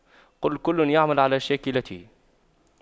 قُل كُلٌّ يَعمَلُ عَلَى شَاكِلَتِهِ